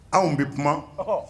Anw bɛ kuma, ɔhɔ.